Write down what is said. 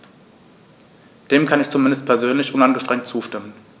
Dem kann ich zumindest persönlich uneingeschränkt zustimmen.